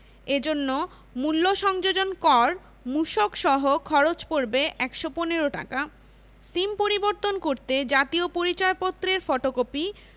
এ জন্য মূল্য সংযোজন কর মূসক সহ খরচ পড়বে ১১৫ টাকা সিম পরিবর্তন করতে জাতীয় পরিচয়পত্রের ফটোকপি